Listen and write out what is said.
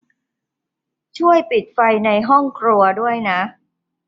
ช่วยปิดไฟในห้องครัวด้วยนะ